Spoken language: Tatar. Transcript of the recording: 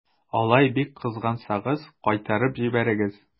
Алай бик кызгансагыз, кайтарып җибәрегез.